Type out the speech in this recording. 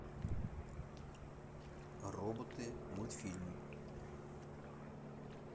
роботы мультфильмы